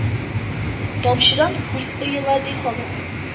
Тамчыдан күл ыела, ди халык